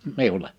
minulle